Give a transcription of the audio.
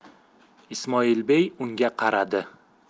ismoilbey unga qaradi